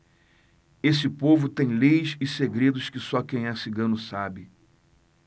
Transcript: esse povo tem leis e segredos que só quem é cigano sabe